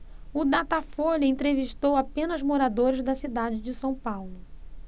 o datafolha entrevistou apenas moradores da cidade de são paulo